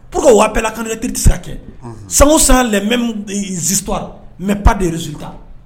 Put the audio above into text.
P wapla kan tɛ se kɛ sanu mɛtu mɛ pa dere su ta